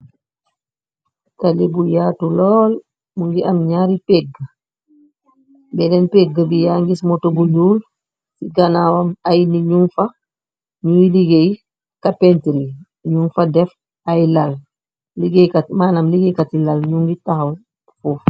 Tally bu yatu lool mungi am nyari pêgeu benen pêgeu bi yangi gis moto bu nyoul ganawam ay nit nyungfa nyuy legai capentry nyung fa def ay lal ligay manam ligay kat yu ndaw nyu ngi tahaw fofu